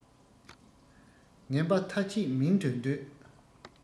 ངན པ ཐ ཆད མིང དུ འདོད